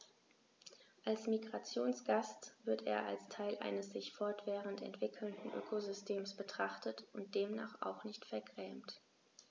Als Migrationsgast wird er als Teil eines sich fortwährend entwickelnden Ökosystems betrachtet und demnach auch nicht vergrämt.